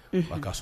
A ka so